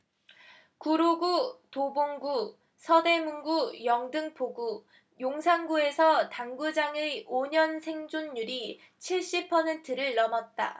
구로구 도봉구 서대문구 영등포구 용산구에서 당구장의 오 년 생존율이 칠십 퍼센트를 넘었다